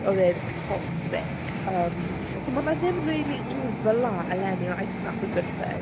Oedd e'n toxic. Yym... m-hm ...so ma' 'na ddim rili un fel 'na eleni and I think that's a good thing.